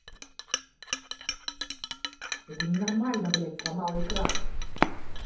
это ненормально блядь сломала экран